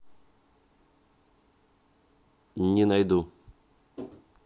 не найду